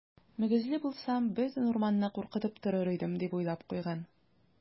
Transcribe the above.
Мөгезле булсам, бөтен урманны куркытып торыр идем, - дип уйлап куйган.